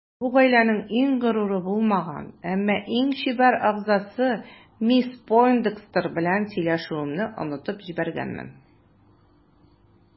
Бу гаиләнең иң горуры булмаган, әмма иң чибәр әгъзасы мисс Пойндекстер белән сөйләшүемне онытып җибәргәнмен.